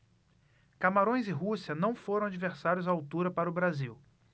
camarões e rússia não foram adversários à altura para o brasil